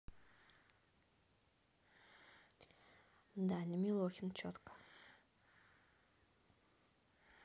даня милохин четко